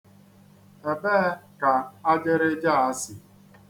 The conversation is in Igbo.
Ebee ka ajịrịja a si?